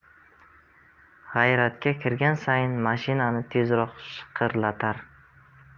g'ayratga kirgan sayin mashinani tezroq shiqirlatar